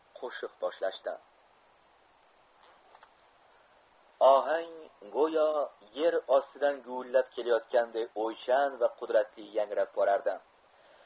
qo'shiq boshlashdi ohang go'yo yer osgidan guvillab kelayotganday o'ychan va qudratli yangrab borardi